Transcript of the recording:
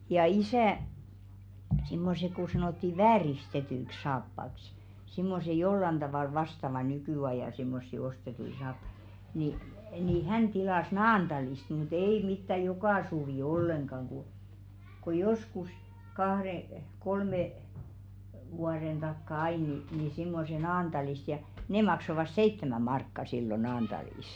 ja isä semmoiset kun sanottiin vääristetyksi saappaaksi semmoiset jollakin tavalla vastaavat nykyajan semmoisia ostettuja saappaita niin niin hän tilasi Naantalista mutta ei mitään joka suvi ollenkaan kun kun joskus kahden kolme vuoden takaa aina niin niin semmoiset Naantalista ja ne maksoivat seitsemän markkaa silloin Naantalissa